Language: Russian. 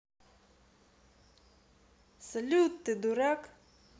салют ты дурак